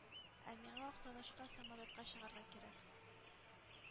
Ә миңа Актанышка самолетка чыгарга кирәк.